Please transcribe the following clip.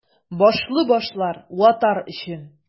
Башлы башлар — ватар өчен!